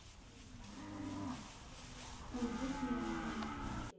конфуз няшка